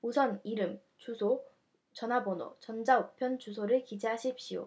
우선 이름 주소 전화번호 전자 우편 주소를 기재하십시오